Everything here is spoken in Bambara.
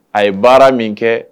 A ye baara min kɛ